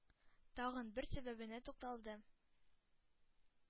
Тагын бер сәбәбенә тукталды: